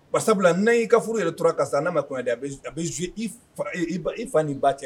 Ba sabula n'a y'i ka furu yɛrɛ tora ka' n'a ma da a bɛ z i fa ni ba cɛ